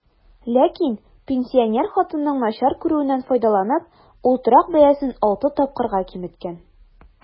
Ләкин, пенсинер хатынның начар күрүеннән файдаланып, ул торак бәясен алты тапкырга киметкән.